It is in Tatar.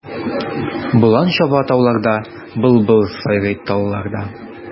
Болан чаба тауларда, былбыл сайрый талларда.